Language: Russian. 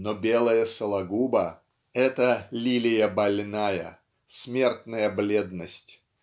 но белое Сологуба -- это лилия больная, смертная бледность